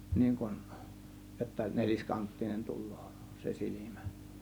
niin kuin jotta neliskanttinen tulee se silmä